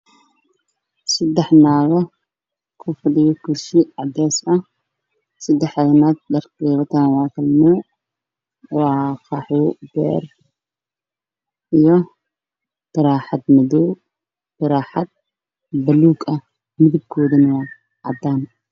Waa saddex naag oo ku fadhida kuraas